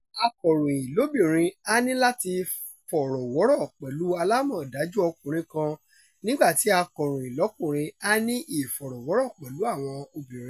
Akọ̀ròyìn lóbìnrin á ní láti fọ̀rọ̀wọ́rọ̀ pẹ̀lú alámọ̀dájú ọkùnrin kan nígbà tí Akọ̀ròyìn lọ́kùnrin á ní ìfọ̀rọ̀wọ́rọ̀ pẹ̀lú àwọn obìnrin.